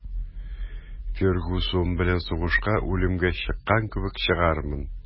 «фергюсон белән сугышка үлемгә чыккан кебек чыгармын»